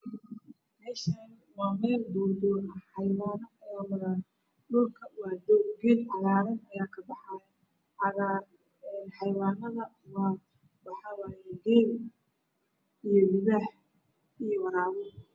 Meeshaan waa meel duurduur xayawaano ayaa maraayo. dhulka waa doog geed cagaaran ayaa kabaxaayo. Xayawaanada waa geel, libaax iyo waraabe.